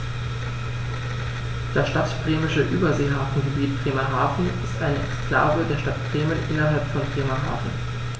Das Stadtbremische Überseehafengebiet Bremerhaven ist eine Exklave der Stadt Bremen innerhalb von Bremerhaven.